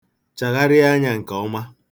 Chagharịa anya nke ọma.